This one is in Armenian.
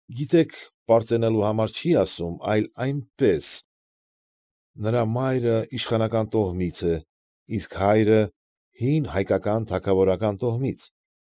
Գիտեք, պարծենալու համար չի ասում, այլ այնպես. նրա մայրը իշխանական տոհմից է, իսկ հայրը հին հայկական թագավորական տոհմից։